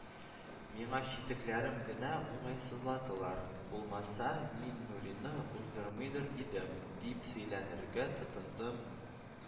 - миңа читекләрем генә уңайсызладылар, булмаса, мин нурины уздырмыйдыр идем, - дип сөйләнергә тотындым